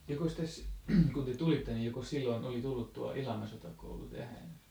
jokos tässä kun te tulitte niin jokos silloin oli tullut tuo ilmasotakoulu tähän